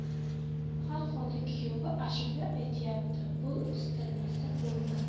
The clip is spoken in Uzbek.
harholda kuyovi ashula aytyapti pul qistirmasa bo'lmas